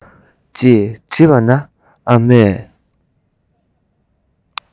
ཅེས དྲིས པ ན ཨ མས